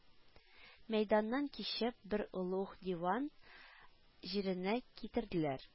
Мәйданнан кичеп, бер олуг диван җиренә китерделәр